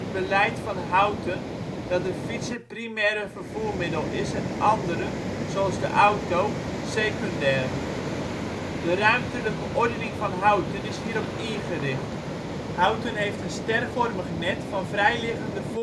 beleid van Houten dat de fiets het primaire vervoermiddel is en andere, zoals de auto, secundair. De ruimtelijke ordening van Houten is hierop ingericht: Houten heeft een stervormig net van vrijliggende voorrangsfietspaden